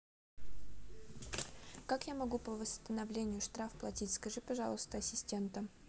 как я могу по постановлению штраф платить скажи пожалуйста ассистента